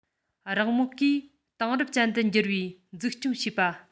རང དམག གིས དེང རབས ཅན དུ འགྱུར བའི འཛུགས སྐྱོང བྱེད པ